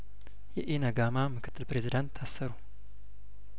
የኢነጋማ ምክትል ፕሬዝዳንት ታሰሩ